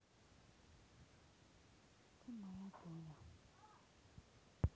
ти моя дуня